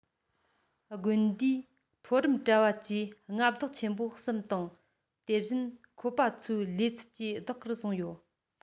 དགོན སྡེའི མཐོ རིམ གྲྭ པ བཅས མངའ བདག ཆེན པོ གསུམ དང དེ བཞིན ཁོ པ ཚོའི ལས ཚབ ཀྱིས བདག གིར བཟུང ཡོད